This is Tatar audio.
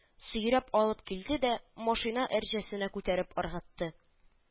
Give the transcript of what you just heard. Сөйрәп алып килде дә, машина әрҗәсенә күтәреп ыргытты